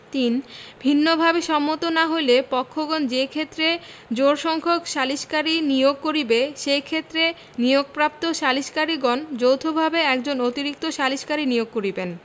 ৩ ভিন্নভাবে সম্মত না হইলে পক্ষগণ যেইক্ষেত্রে জোড়সংখ্যক সালিসকারী নিয়েঅগ করিবে সেইক্ষেত্রে নিয়োগপ্রাপ্ত সালিসকারীগণ যৌথভাবে একজন অতিরিক্ত সালিসকারী নিয়োগ করিবেন